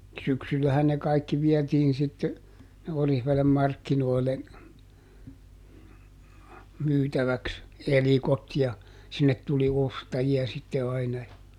syksyllähän ne kaikki vietiin sitten sinne Oriveden markkinoille myytäväksi elikot ja sinne tuli ostajia sitten aina ja